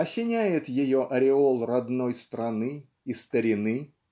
Осеняет ее ореол родной страны и старины.